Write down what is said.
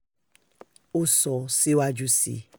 Ó sọ síwájú sí i: